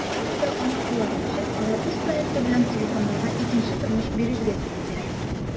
Компаниядә аңлатуларынча, алар үз проекты белән телефоннарга икенче тормыш бирергә телиләр.